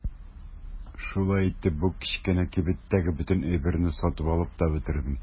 Шулай итеп бу кечкенә кибеттәге бөтен әйберне сатып алып та бетердем.